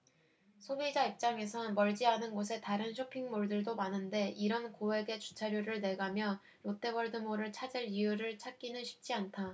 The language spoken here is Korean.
소비자 입장에선 멀지 않은 곳에 다른 쇼핑 몰들도 많은데 이런 고액의 주차료를 내가며 롯데월드몰을 찾을 이유를 찾기는 쉽지 않다